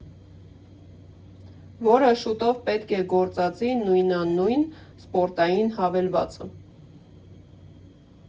Որը շուտով պետք է գործածի նույնանուն սպորտային հավելվածը։